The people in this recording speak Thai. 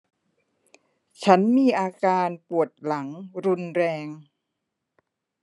ฉันมีอาการปวดหลังรุนแรง